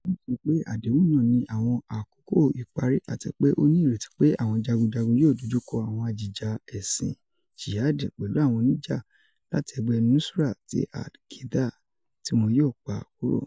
Moualem sọ pe adehun naa ni "awọn akoko ipari" ati pe o ni ireti pe awọn jagunjagun yoo dojuko awọn ajija ẹsin jihadi pẹlu awọn onija lati ẹgbẹ Nusra ti Al-Qaeda, ti wọn yoo "pa kúrò."